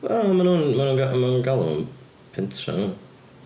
Wel, maen nhw'n maen nh- mae nhw'n galw fo'n pentre dwi'n meddwl.